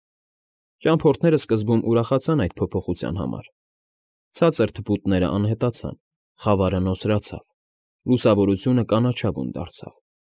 Ճամփորդներն սկզբում ուրախացան այդ փոփոխության համար. ցածր թփուտներն անհետացան, խավարը նոսրացավ, լուսավորությունը կանաչավուն դարձավ։